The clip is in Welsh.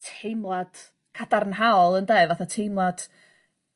teimlad cadarnhaol ynde fatha teimlad